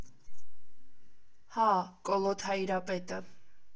֊ Հա, Կոլոտ Հայրապետը։